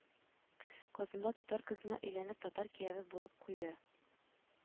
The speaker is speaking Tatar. Казанда татар кызына өйләнеп, татар кияве булып куйды